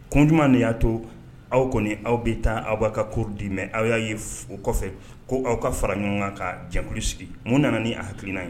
Ko ɲumanuma de y'a to aw kɔni aw bɛ taa aw b'a ka kuru di mɛn aw y'a ye o kɔfɛ ko aw ka fara ɲɔgɔn kan ka jɛkulu sigi mun nana ni a hakilikilina ye